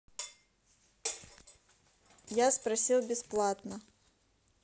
я спросил бесплатно